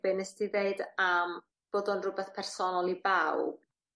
be' nest di ddeud am bod o'n rwbeth personol i bawb